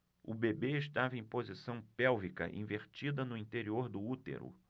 o bebê estava em posição pélvica invertida no interior do útero